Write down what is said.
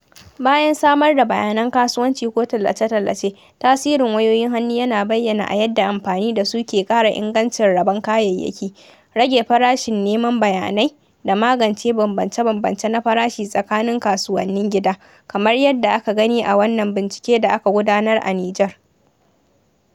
Bayan samar da bayanan kasuwanci/tallace-tallace, tasirin wayoyin hannu yana bayyana a yadda amfani da su ke ƙara ingancin rabon kayayyaki, rage farashin neman bayanai, da magance bambance-bambance na farashi tsakanin kasuwannin gida, kamar yadda aka gani a wannan bincike da aka gudanar a Niger.